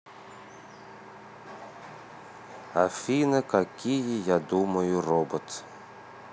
афина какие я думаю робот